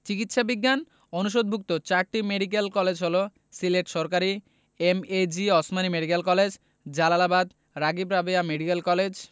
চিকিৎসা বিজ্ঞান অনুষদভুক্ত চারটি মেডিকেল কলেজ হলো সিলেট সরকারি MAG Osmani medical college Jalalabad Ragib Rabeya medical college